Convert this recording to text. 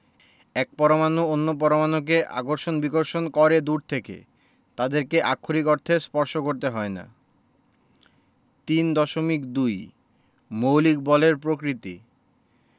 এক পরমাণু অন্য পরমাণুকে আকর্ষণ বিকর্ষণ করে দূর থেকে তাদেরকে আক্ষরিক অর্থে স্পর্শ করতে হয় না ৩.২ মৌলিক বলের প্রকৃতি